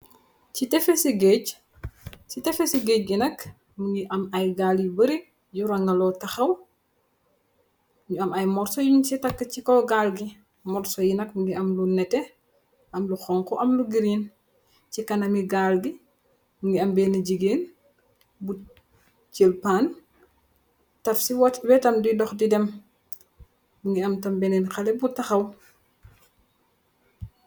Si teefesu geej, si teefesu geej ngi nak mingi am ay gaal yu bari, yu rangelo taxaw, nyu am ay morso yu si tekk si kaw gaal ngi, morso yi nak mingi am lu nete, am lu xonxu, am lu giren, si kanam mi gaal mingi am benne jigeen, bu jël pan taf si wetam di dem, mingi am tam beneen xale bu taxaw.